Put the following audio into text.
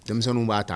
Denmisɛnninw b'a ta